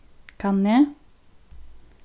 kann eg